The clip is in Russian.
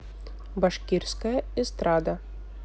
башкирская эстрада